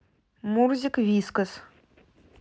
мурзик вискас